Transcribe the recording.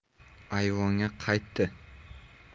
ayvonga qaytdi